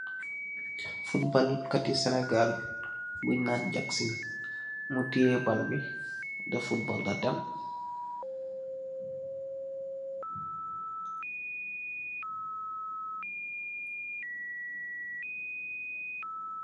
Football kati yii Senegal bungh nan Jackson mu tiyeh bal bii dii football da dem.